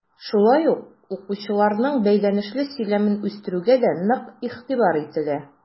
Шулай ук укучыларның бәйләнешле сөйләмен үстерүгә дә нык игътибар ителә.